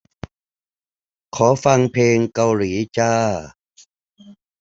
ขอฟังเพลงเกาหลีจ้า